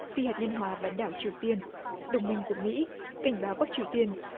phi hạt nhân hóa bán đảo triều tiên đồng minh của mỹ cảnh báo bắc triều tiên